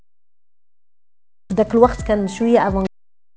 الوقت كان شويه